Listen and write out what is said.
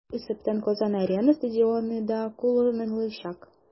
Шул исәптән "Казан-Арена" стадионы да кулланылачак.